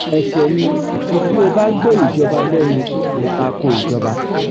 Ẹ̀ṣẹ̀ ni bí o bá gbó ìjọba lẹ́nu (tako ìjọba)